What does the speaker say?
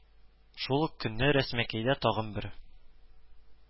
Шул ук көнне Рәсмәкәйдә тагын бер